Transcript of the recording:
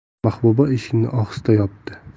mahbuba eshikni ohista yopdi